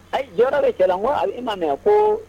Jɔyɔrɔ de cɛla ko ma mɛn ko